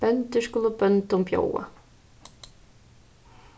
bøndur skulu bóndum bjóða